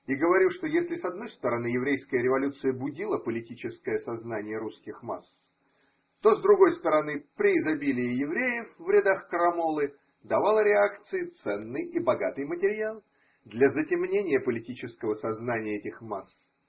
И говорю, что если с одной стороны еврейская революция будила политическое сознание русских масс, то с другой стороны преизобилие евреев в рядах крамолы давало реакции ценный и богатый материал для затемнения политического сознания этих масс.